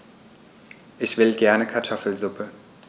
Ich will gerne Kartoffelsuppe.